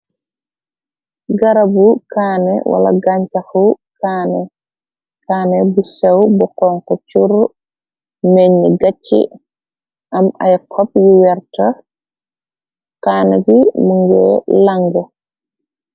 Garabu kanne wala gancaxu kaane bu sew bu xonxu cur mënñ gacci am ay xop yu werta kanni gi mugii lang.